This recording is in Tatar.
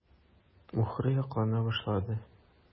Мухрый аклана башлады.